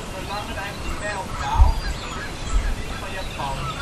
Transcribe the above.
belangrijke mijlpaal in de geschiedenis van Japan